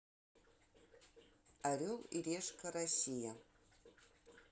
орел и решка россия